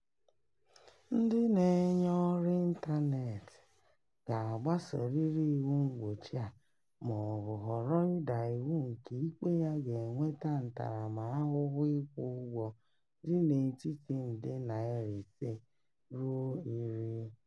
Ndị na-enye ọrụ ịntaneetị ga-agbasorịrị iwu mgbochi a ma ọ bụ họrọ ịda iwu nke ikpe ya ga-eweta ntaramahụhụ ịkwụ ụgwọ dị n'etiti nde naira 5 ruo 10.